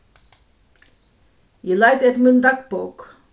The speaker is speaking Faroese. eg leitaði eftir míni dagbók